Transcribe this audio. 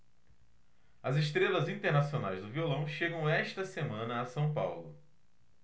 as estrelas internacionais do violão chegam esta semana a são paulo